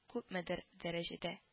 Күпмедер дәрәҗәдә